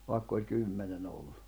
vaikka oli kymmenen ollut